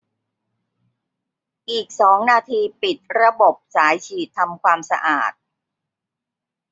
อีกสองนาทีปิดระบบสายฉีดทำความสะอาด